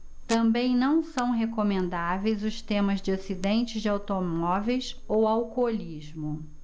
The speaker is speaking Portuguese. também não são recomendáveis os temas de acidentes de automóveis ou alcoolismo